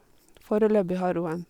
Foreløpig har hun en...